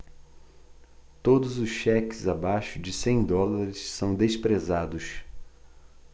todos os cheques abaixo de cem dólares são desprezados